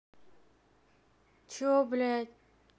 че блядь